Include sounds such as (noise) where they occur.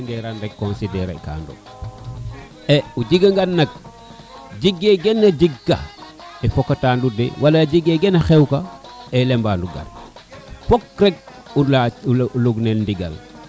(music) o jega ngeran rek ko considérer kano e o jega ngan nak jega gana jeg ka te foka dano de wala jege gena xew ka o lembano fok rek o lac o log nel ndigal